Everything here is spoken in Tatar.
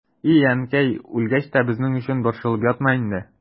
И әнкәй, үлгәч тә безнең өчен борчылып ятма инде.